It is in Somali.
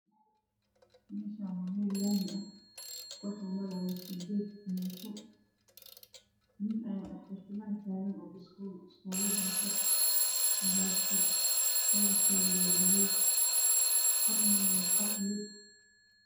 Meeshaan waa meel laami ah waxaa maraayo siddeed mooto. Nin ayaa dhex bartamaha taagan oo biskoolad wata biskoolada kalarkeedu waa gaduud korna waa qaxwi.